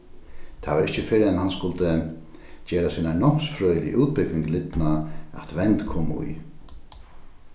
tað var ikki fyrr enn hann skuldi gera sína námsfrøðiligu útbúgving lidna at vend kom í